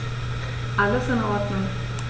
Alles in Ordnung.